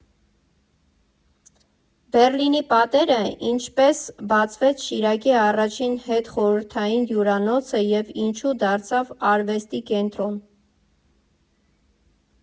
Բեռլինի պատերը Ինչպես բացվեց Շիրակի առաջին հետոխորհրդային հյուրանոցը և ինչու դարձավ արվեստի կենտրոն։